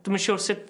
dwi'm yn siŵr sut